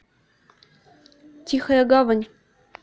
тихая гавань